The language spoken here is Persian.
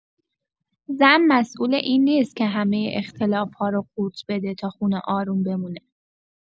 زن مسئول این نیست که همه اختلاف‌ها رو قورت بده تا خونه آروم بمونه.